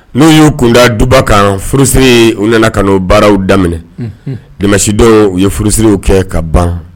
N'u y'u kunda duba kan furusiri u nana ka baaraw daminɛ, unhun, dimanche don u ye furusiriw kɛ ka ban